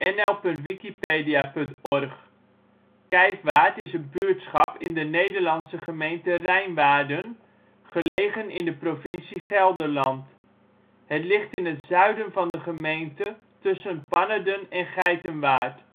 6° 04 ' OL Kijfwaard Plaats in Nederland Situering Provincie Gelderland Gemeente Rijnwaarden Coördinaten 51° 54′ NB, 6° 5′ OL Portaal Nederland Beluister (info) Kijfwaard is een buurtschap in de Nederlandse gemeente Rijnwaarden, gelegen in de provincie Gelderland. Het ligt in het zuiden van de gemeente tussen Pannerden en Geitenwaard